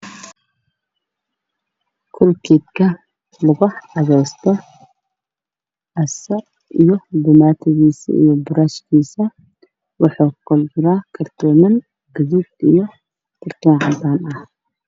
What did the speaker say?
Kool geedka lagu cadaysto asi iyo boomatadiisa iyo buraashkiisa waxuu kartoonman gaduud ah iyo kartoon cadaan ah.